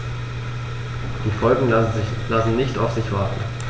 Die Folgen lassen nicht auf sich warten.